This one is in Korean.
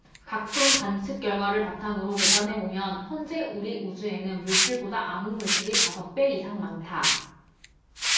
각종 관측 결과를 바탕으로 계산해 보면 현재 우리 우주에는 물질보다 암흑물질이 다섯 배 이상 많다